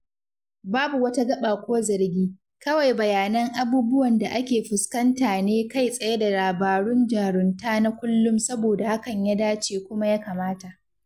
Babu wata gaba ko zargi, kawai bayanan abubuwan da ake fuskanta ne kai tsaye da labarun jarunta na kullum saboda hakan ya dace kuma ya kamata.